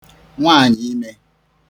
nwaànyị̀ime